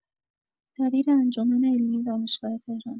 دبیر انجمن علمی دانشگاه تهران